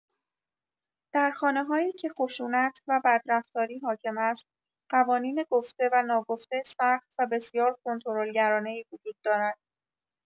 در خانه‌هایی که خشونت و بدرفتاری حاکم است، قوانین گفته و ناگفته سخت و بسیار کنترل گرانه‌ای وجود دارد.